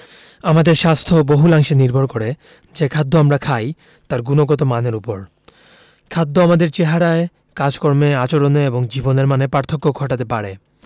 আমাদের স্বাস্থ্য বহুলাংশে নির্ভর করে যে খাদ্য আমরা খাই তার গুণগত মানের ওপর খাদ্য আমাদের চেহারায় কাজকর্মে আচরণে ও জীবনের মানে পার্থক্য ঘটাতে পারে